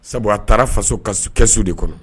Sabula a taara faso ka sokɛ kɛsu de kɔnɔ